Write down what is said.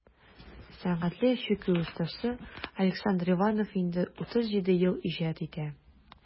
Сәнгатьле чүкү остасы Александр Иванов инде 37 ел иҗат итә.